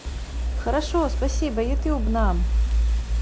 хорошо спасибо youtube нам